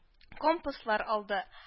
Компаслар алды